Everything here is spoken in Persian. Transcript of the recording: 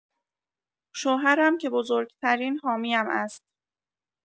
شوهرم که بزرگ‌ترین حامی‌ام است.